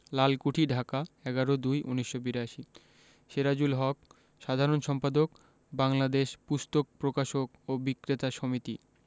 লালকুঠি ঢাকা ১১-০২-১৯৮২ সেরাজুল হক সাধারণ সম্পাদক বাংলাদেশ পুস্তক প্রকাশক ও বিক্রেতা সমিতি